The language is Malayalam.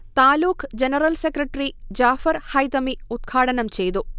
താലൂക്ക് ജനറൽ സെക്രട്ടറി ജഅ്ഫർ ഹൈതമി ഉദ്ഘാടനം ചെയ്തു